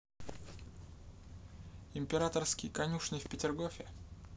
императорские конюшни в петергофе